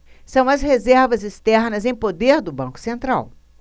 são as reservas externas em poder do banco central